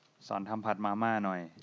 สอนทำผัดมาม่าหน่อย